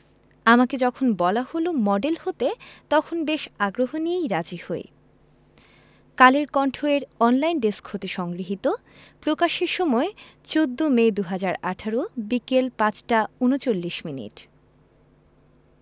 আমাকে যখন বলা হলো মডেল হতে তখন বেশ আগ্রহ নিয়েই রাজি হই কালের কণ্ঠ এর অনলাইনে ডেস্ক হতে সংগৃহীত প্রকাশের সময় ১৪মে ২০১৮ বিকেল ৫টা ৩৯ মিনিট